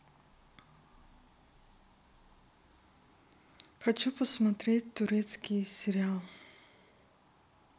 хочу посмотреть турецкий сериал